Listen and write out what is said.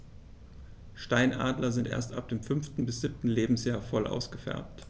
Steinadler sind erst ab dem 5. bis 7. Lebensjahr voll ausgefärbt.